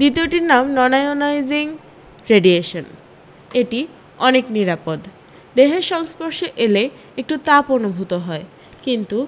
দ্বিতীয়টির নাম nonionising radiation এটি অনেক নিরাপদ দেহের সংস্পর্শে এলে একটু তাপ অনুভব হয় কিন্তু